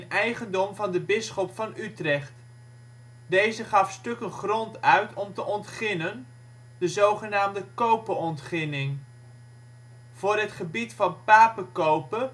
eigendom van de bisschop van Utrecht. Deze gaf stukken grond uit om te ontginnen: de zogenaamde cope-ontginning. Voor het gebied van “Pape-cope